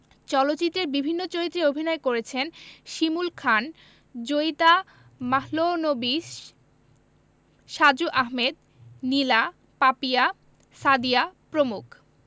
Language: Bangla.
চলচ্চিত্রের বিভিন্ন চরিত্রে অভিনয় করেছেন শিমুল খান জয়িতা মাহলানোবিশ সাজু আহমেদ নীলা পাপিয়া সাদিয়া প্রমুখ